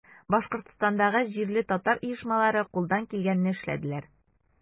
Башкортстандагы җирле татар оешмалары кулдан килгәнне эшләделәр.